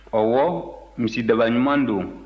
ɔwɔ misidaba ɲuman don